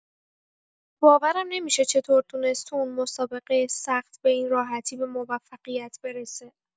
باورم نمی‌شه چطور تونست تو اون مسابقه سخت به این راحتی به موفقیت برسه!